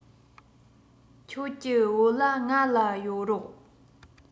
ཁྱོད ཀྱི བོད ལྭ ང ལ གཡོར རོགས